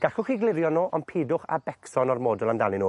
Gallwch chi glirio n'w, ond pidwch â becso'n ormodol amdanyn n'w.